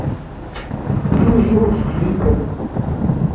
жужу с клипом